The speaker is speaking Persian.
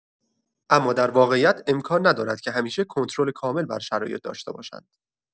اما در واقعیت، امکان ندارد که همیشه کنترل کامل بر شرایط داشته باشند.